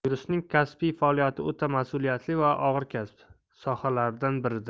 yuristning kasbiy faoliyati o'ta ma'suliyatli va og'ir kasb sohalaridan biridir